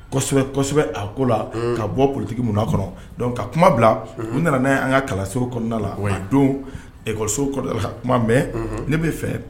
Kosɛbɛsɛbɛ a ko la ka bɔ ptigi mun kɔnɔ ka kuma bila u nana n'a an ka kalasouru kɔnɔnada la ka donkɔso ka kuma mɛn ne bɛ fɛ